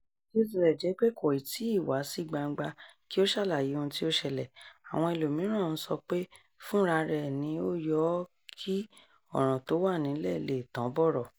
Bíótilẹ̀jẹ́pé kòì tíì wá sí gbangba kí ó ṣàlàyé ohun tí ó ṣẹlẹ̀, àwọn ẹlòmíràn ń sọ pé fúnra rẹ̀ ni ó yọ ọ́ kí ọ̀ràn tó wà nílẹ̀ lè tán bọ̀rọ̀.